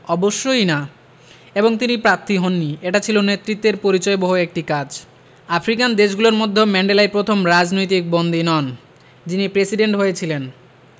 অবশ্যই না এবং তিনি প্রার্থী হননি এটা ছিল নেতৃত্বের পরিচয়বহ একটি কাজ আফ্রিকান দেশগুলোর মধ্য ম্যান্ডেলাই প্রথম রাজনৈতিক বন্দী নন যিনি প্রেসিডেন্ট হয়েছিলেন